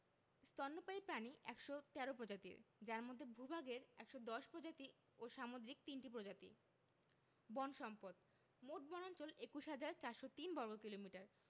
স্তন্যপায়ী প্রাণী ১১৩ প্রজাতির যার মধ্যে ভূ ভাগের ১১০ প্রজাতি ও সামুদ্রিক ৩ টি প্রজাতি বন সম্পদঃ মোট বনাঞ্চল ২১হাজার ৪০৩ বর্গ কিলোমিটার